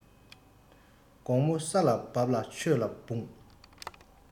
དགོངས མོ ས ལ བབས ལ ཆོས ལ འབུངས